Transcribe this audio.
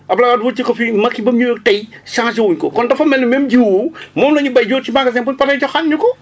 Abdoulaye Wade wócc ko fii Macky ba mu ñëwee tey changé wuñ ko kon dafa mel même jiw moom la ñu béy jóor ci magasin bu ñu paree joxaat ñu ko